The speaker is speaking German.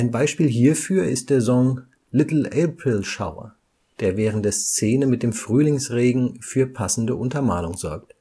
Beispiel hierfür ist der Song „ Little April Shower “, der während der Szene mit dem Frühlingsregen für passende Untermalung sorgt